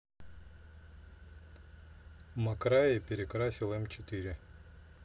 makrae перекрасил м четыре